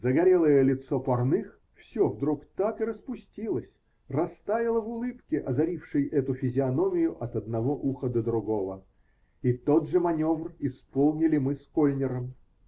Загорелое лицо Парных все вдруг так и распустилось, растаяло в улыбке, озарившей эту физиономию от одного уха до другого, и тот же маневр исполнили мы с Кольнером.